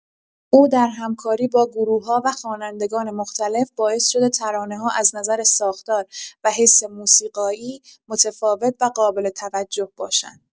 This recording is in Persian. او در همکاری با گروه‌ها و خوانندگان مختلف باعث شده ترانه‌ها از نظر ساختار و حس موسیقایی متفاوت و قابل‌توجه باشند.